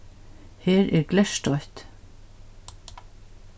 her er glerstoytt